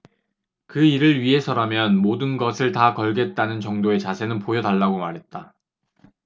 그 일을 위해서라면 모든 것을 다 걸겠다는 정도의 자세는 보여달라고 말했다